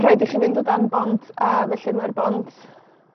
rhaid i chi fynd o dan bont, ah, felly mae'r bont